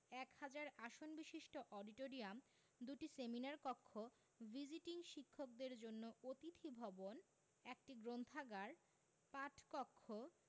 এক হাজার আসনবিশিষ্ট অডিটোরিয়াম ২টি সেমিনার কক্ষ ভিজিটিং শিক্ষকদের জন্য অতিথি ভবন একটি গ্রন্থাগার পাঠকক্ষ